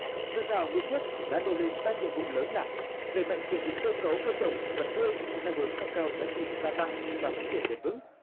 dự thảo nghị quyết đã nêu lên ba nhiệm vụ lớn là đẩy mạnh chuyển dịch cơ cấu cây trồng vật nuôi theo hướng nâng cao giá trị gia tăng và phát triển bền vững